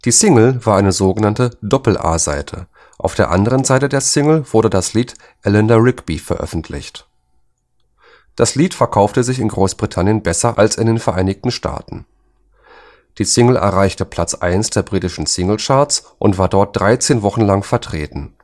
Single war eine so genannte „ Doppel-A-Seite “– auf der anderen Seite der Single wurde das Lied „ Eleanor Rigby “veröffentlicht. Das Lied verkaufte sich in Großbritannien besser als in den Vereinigten Staaten. Die Single erreichte Platz Eins der britischen Single-Hitparade und war dort 13 Wochen lang vertreten